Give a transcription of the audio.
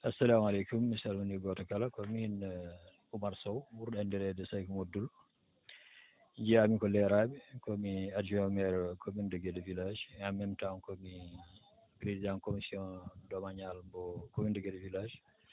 assalamu aleykum mi salminii gooto kala ko min Oumar Sow ɓurɗo anndireede Saykou mo Dool jeyaami ko Leraɓe ko mi ajoint maire commune de Guédé village et en même tant ko mi président commission domanial mo commune de Guédé village